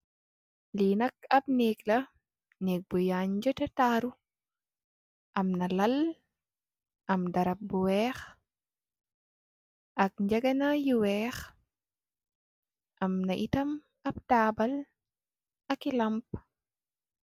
Li nak ap neeg la neeg bu yanga teh taru amna laal am darab bu weex ak gegenay yu weex amna aii tam ap tabul aki lampa.